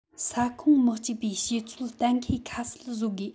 ས ཁོངས མི གཅིག པའི བྱེད རྩོལ གཏན འཁེལ ཁ གསལ བཟོ དགོས